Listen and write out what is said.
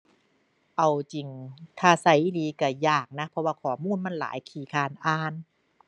เอาจริง ถ้าใช้อีหลีใช้ยากนะ เพราะว่าข้อมูลมันหลายขี้คร้านอ่าน